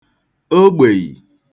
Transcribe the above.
ogbèì